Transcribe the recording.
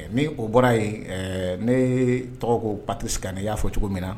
Min o bɔra yen ne tɔgɔ ko pa tɛsi ka na i y'a fɔ cogo min na